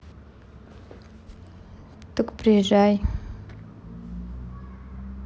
так приезжай